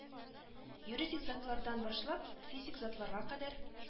Юридик затлардан башлап, физик затларга кадәр